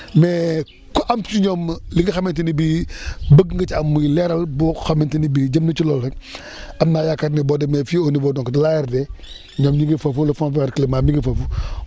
mais ku am ci ñoom li nga xamante ni bii bëgg nga ci am muy leeral boo xamante ni bii jëm na ci loolu rek am naa yaakaar ne boo demee fii au niveau donc de l' ARD ñoom ñu ngi foofu le fond vers climat mi ngi fooffu